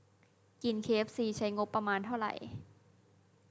กินเคเอฟซีใช้งบประมาณเท่าไหร่